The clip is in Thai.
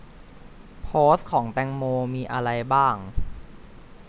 โพสต์ของแตงโมมีอะไรบ้าง